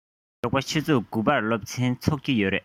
ཞོགས པ ཆུ ཚོད དགུ པར སློབ ཚན ཚུགས ཀྱི ཡོད རེད